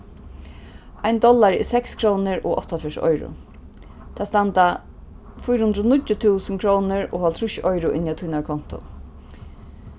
ein dollari er seks krónur og áttaoghálvfjerðs oyru tað standa fýra hundrað og níggju túsund krónur og hálvtrýss oyru inni á tínari kontu